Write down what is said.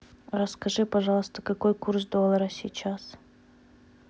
расскажи пожалуйста какой курс доллара сейчас